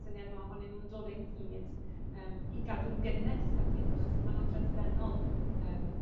syniad 'ma ohonyn nw'n dod ynghyd yym i gadw'n gynnes hefyd achos ma' nw'n llythrennol yym